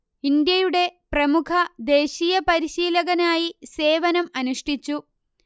ഇന്ത്യയുടെ പ്രമുഖ ദേശീയ പരിശീലകനായി സേവനം അനുഷ്ടിച്ചു